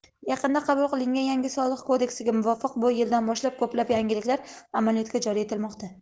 yaqinda qabul qilingan yangi soliq kodeksiga muvofiq bu yildan boshlab ko'plab yangiliklar amaliyotga joriy etilmoqda